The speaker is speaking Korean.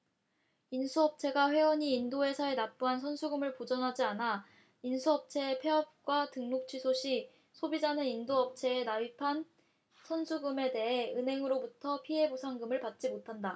인수업체가 회원이 인도회사에 납부한 선수금을 보전하지 않아 인수업체의 폐업과 등록취소 시 소비자는 인도업체에 납입한 선수금에 대해 은행 등으로부터 피해보상금을 받지 못한다